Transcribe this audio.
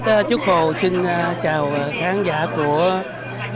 trúc hồ xin chào khán giả của